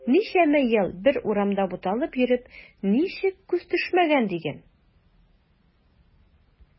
Ничәмә ел бер урамда буталып йөреп ничек күз төшмәгән диген.